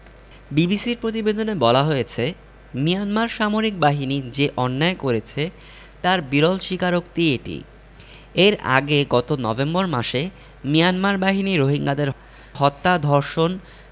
বিবিসির প্রতিবেদনে বলা হয়েছে মিয়ানমার সামরিক বাহিনী যে অন্যায় করেছে তার বিরল স্বীকারোক্তি এটি এর আগে গত নভেম্বর মাসে মিয়ানমার বাহিনী রোহিঙ্গাদের হত্যা ধর্ষণ